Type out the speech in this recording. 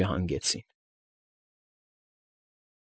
Չհանգեցին։